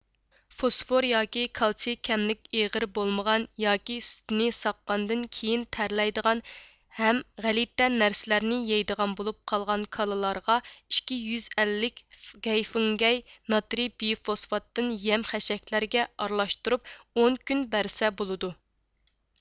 فوسفور ياكى كالتسىي كەملىك ئېغىر بولمىغان ياكى سۈتىنى ساغقاندىن كېيىن تەرلەيدىغان ھەم غەلىتە نەرسىلەرنى يەيدىغان بولۇپ قالغان كالىلارغا ئىككى يۈز ئەللىك گەيفۇڭگەي ناترىي بىفوسفاتتىن يەم خەشەكلىرىگە ئارىلاشتۇرۇپ ئون كۈن بەرسە بولىدۇ